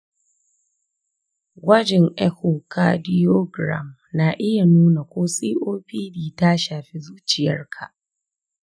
gwajin echocardiogram na iya nuna ko copd ta shafi zuciyarka.